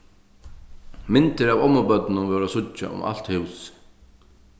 myndir av ommubørnunum vóru at síggja um alt húsið